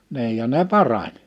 niin ja ne parani